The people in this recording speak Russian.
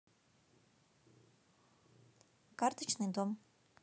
карточный дом